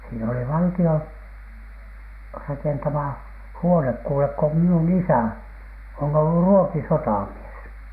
siinä oli valtion rakentama huone kuule kun minun isä on ollut ruotisotamies